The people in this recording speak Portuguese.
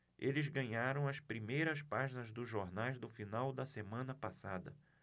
eles ganharam as primeiras páginas dos jornais do final da semana passada